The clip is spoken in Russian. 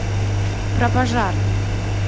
про пожар